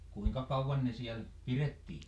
kuinka kauan ne siellä pidettiin